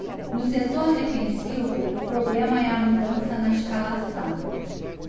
no setor defensivo o problema é a mudança na escalação